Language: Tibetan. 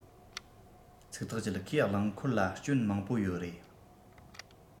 ཚིག ཐག བཅད ཁོས རླངས འཁོར ལ སྐྱོན མང པོ ཡོད རེད